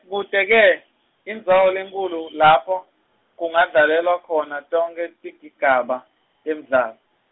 kute-ke indzawo lenkhulu lapho kungadlalelwa khona tonkhe tigigaba temdlalo.